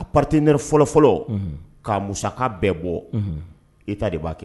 Partenaire fɔlɔfɔlɔ, unhun ,k'a musaka bɛɛ bɔ, unhun , etat ta de b'a kɛ